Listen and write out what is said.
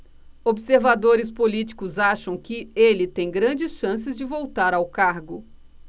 observadores políticos acham que ele tem grandes chances de voltar ao cargo